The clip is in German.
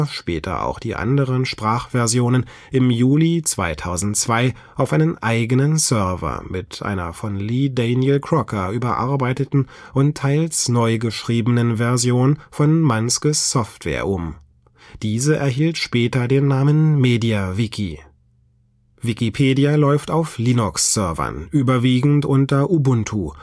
später auch die anderen Sprachversionen, im Juli 2002 auf einen eigenen Server mit einer von Lee Daniel Crocker überarbeiteten und teils neugeschriebenen Version von Manskes Software (Phase III) um. Diese erhielt später den Namen MediaWiki. Diagramm der Wikimedia-Server-Architektur vom 11. November 2008 Wikipedia läuft auf Linux-Servern, überwiegend unter Ubuntu